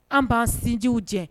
An b'an sinjiw jɛ